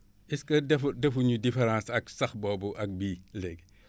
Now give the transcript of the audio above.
est ce que defu defuñu différence ak sax boobu ak bii léegi